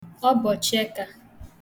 ọbọ̀chịekā